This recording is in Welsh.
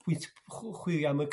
pwynt chw- chwilio am y